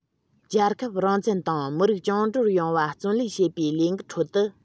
རྒྱལ ཁབ རང བཙན དང མི རིགས བཅིངས འགྲོལ ཡོང བ བརྩོན ལེན བྱེད པའི ལས འགུལ ཁྲོད དུ